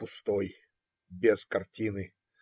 пустой, без картины.